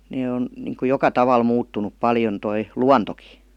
ne on niin kuin joka tavalla muuttunut paljon tuo luontokin